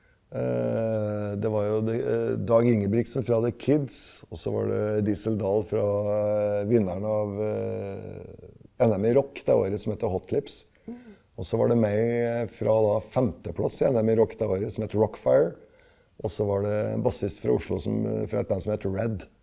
det var jo Dag Ingebrigtsen fra The Kids, også var det Diesel Dahl fra vinneren av NM i rock det året som heter Hot Lips, også var det meg fra da femte plass i NM i rock det året som het Rockfire, også var det en bassist fra Oslo som fra et band som het Red.